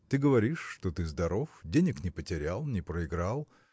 Ты говоришь, что ты здоров, денег не потерял, не проиграл.